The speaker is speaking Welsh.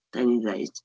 Dan ni'n ddeud.